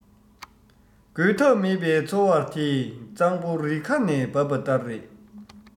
རྒོལ ཐབས མེད པའི ཚོར བ དེ གཙང བོ རི ཁ ནས འབབ པ ལྟར རེད